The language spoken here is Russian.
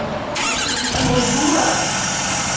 алиса ты чего дура